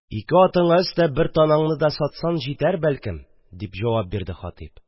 – ике атыңа өстәп бер танаңны да сатсаң җитәр бәлкем, – дип җавап бирде хатип.